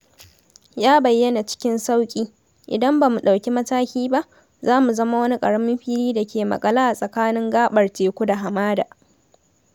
Ya bayyana cikin sauƙi: "Idan ba mu ɗauki mataki ba, za mu zama wani ƙaramin fili da ke maƙale a tsakanin gaɓar teku da hamada."